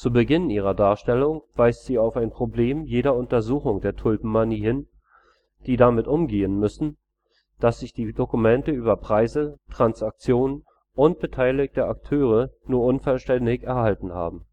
Beginn ihrer Darstellung weist sie auf ein Problem jeder Untersuchung der Tulpenmanie hin, die damit umgehen müsse, dass sich die Dokumente über Preise, Transaktionen und beteiligte Akteure nur unvollständig erhalten haben